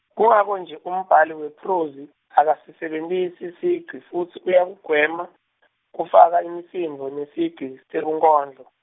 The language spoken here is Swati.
kungako nje umbhali wephrozi, angasisebentisi sigci futsi uyakugwema, kufaka imisindvo nesigci sebunkondlo.